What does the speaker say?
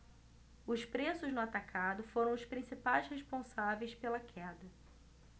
os preços no atacado foram os principais responsáveis pela queda